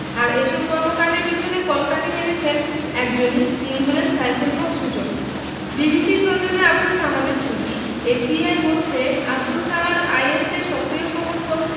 আর এসব কর্মকাণ্ডের পেছনে কলকাঠি নেড়েছেন একজনই তিনি হলেন সাইফুল হক সুজন বিবিসির সৌজন্যে আবদুল সামাদের ছবি এফবিআই বলছে আবদুল সামাদ আইএসের সক্রিয় সমর্থক